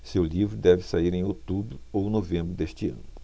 seu livro deve sair em outubro ou novembro deste ano